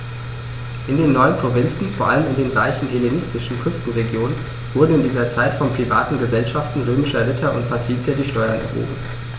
In den neuen Provinzen, vor allem in den reichen hellenistischen Küstenregionen, wurden in dieser Zeit von privaten „Gesellschaften“ römischer Ritter und Patrizier die Steuern erhoben.